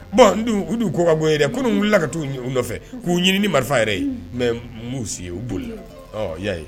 Bɔn u' ko kako e yɛrɛ ko wulila ka taa u nɔfɛ k'u ɲini ni marifa yɛrɛ ye mɛ b'u si u boli y'a ye